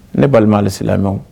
Ne balima halisi